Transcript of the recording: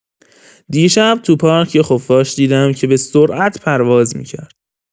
دیشب تو پارک یه خفاش دیدم که به‌سرعت پرواز می‌کرد.